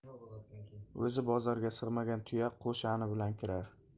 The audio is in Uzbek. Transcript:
o'zi bozorga sig'magan tuya qo'shani bilan kirar